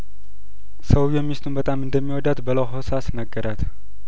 ሰውዬው ሚስቱን በጣም እንደሚወዳት በለሆሳ ስነገራት